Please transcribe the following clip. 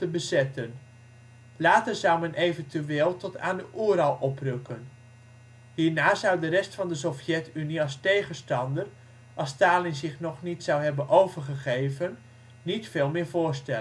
bezetten. Later zou men eventueel tot aan de Oeral oprukken. Hierna zou de rest van de Sovjet-Unie als tegenstander, als Stalin zich nog niet zou hebben overgegeven, niet veel meer voorstellen; het